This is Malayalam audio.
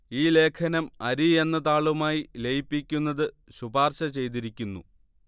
ഈ ലേഖനം അരി എന്ന താളുമായി ലയിപ്പിക്കുന്നത് ശുപാർശ ചെയ്തിരിക്കുന്നു